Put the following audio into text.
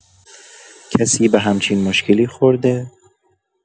کسی به همچین مشکلی خورده؟